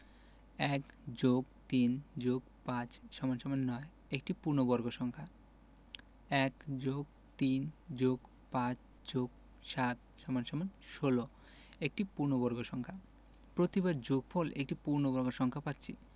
১+৩+৫=৯ একটি পূর্ণবর্গ সংখ্যা ১+৩+৫+৭=১৬ একটি পূর্ণবর্গ সংখ্যা প্রতিবার যোগফল একটি পূর্ণবর্গ সংখ্যা পাচ্ছি